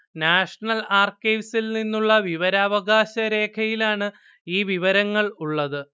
national ആർക്കൈവ്സിൽ നിന്നുള്ള വിവരാവകാശരേഖയിലാണ് ഈ വിവരങ്ങൾ ഉള്ളത്